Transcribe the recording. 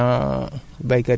ñu ñu am ko